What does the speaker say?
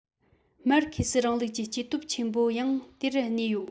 མར ཁེ སིའི རིང ལུགས ཀྱི སྐྱེ སྟོབས ཆེན པོ ཡང དེར གནས ཡོད